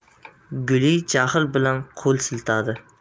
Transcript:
guli jahl bilan qo'l siltadi